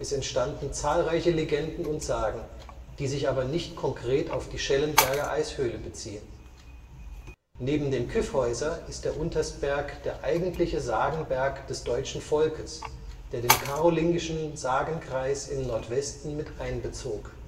entstanden zahlreiche Legenden und Sagen, die sich aber nicht konkret auf die Schellenberger Eishöhle beziehen. Neben dem Kyffhäuser ist der Untersberg der eigentliche Sagenberg des deutschen Volkes, der den karolingischen Sagenkreis im Nordwesten mit einbezog